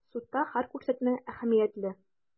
Судта һәр күрсәтмә әһәмиятле.